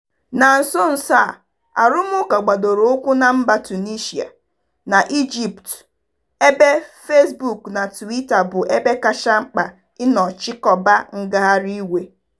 Na nso nso a, arụmarụụka gbadoro ụkwụ na mba Tunisia na Ijiptu, ebe Fesbuk na Tụwita bụ ebe kacha mkpa ịnọ chịkọba ngagharị iwe.